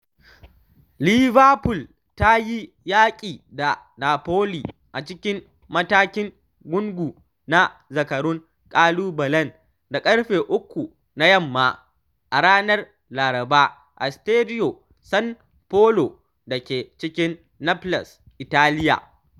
Liverpool ta yi yaki da Napoli a cikin matakin gungu na Zakarun Kalubalen da karfe 3 na yamma a ranar Laraba a Stadio San Paolo da ke cikin Naples, Italiya.